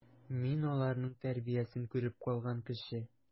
Мин аларның тәрбиясен күреп калган кеше.